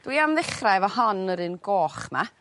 dwi am ddechra efo hon yr un goch 'ma